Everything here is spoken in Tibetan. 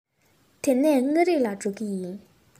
དེ ནས མངའ རིས ལ འགྲོ གི ཡིན